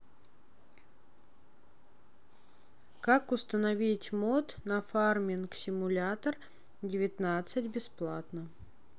как установить мод на farming simulator девятнадцать бесплатно